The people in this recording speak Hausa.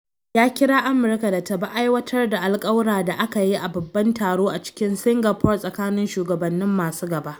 Ya kira Amurka da ta bi aiwatar da alkawura da aka yi a babban taro a cikin Singapore tsakanin shugabannin masu gaba.